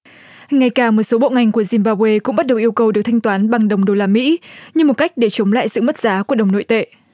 ngay cả một số bộ ngành của dim ba bu ê cũng bắt đầu yêu cầu được thanh toán bằng đồng đô la mỹ như một cách để chống lại sự mất giá của đồng nội tệ